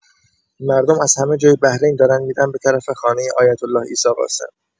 مردم از همه‌جای بحرین دارن می‌رن به‌طرف خانه آیت‌الله عیسی قاسم!